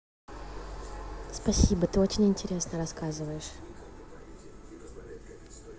спасибо ты очень интересно рассказываешь